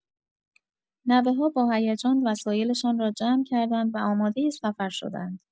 نوه‌ها با هیجان وسایلشان را جمع کردند و آمادۀ سفر شدند.